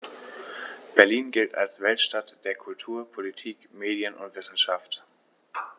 Berlin gilt als Weltstadt der Kultur, Politik, Medien und Wissenschaften.